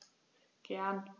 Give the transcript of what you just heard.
Gern.